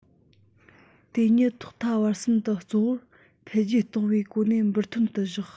དེ ཉིད ཐོག མཐའ བར གསུམ དུ གཙོ བོར འཕེལ རྒྱས གཏོང བའི གོ གནས འབུར ཐོན དུ བཞག